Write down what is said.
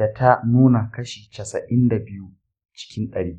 da ta nuna kashi casain da biyu cikin ɗari